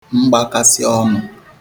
mgbakasị ọnụ